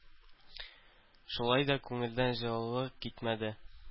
Шулай да күңелдән җылылык китмәде.